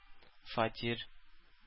Фатир